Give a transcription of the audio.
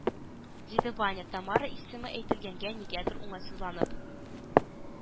Диде ваня, тамара йсеме әйтелгәнгә нигәдер уңайсызланып